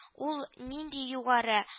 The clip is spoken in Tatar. Ул нинди югары